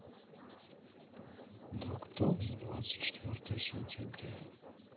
док ток за двадцать четвертое сентября